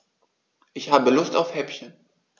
Ich habe Lust auf Häppchen.